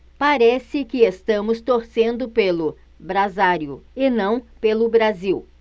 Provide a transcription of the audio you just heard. parece que estamos torcendo pelo brasário e não pelo brasil